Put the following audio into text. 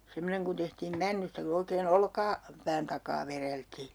semmoinen kun tehtiin männystä kun oikein - olkapään takaa vedeltiin